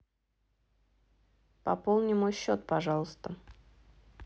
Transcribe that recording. пополни мой счет пожалуйста